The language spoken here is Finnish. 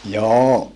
joo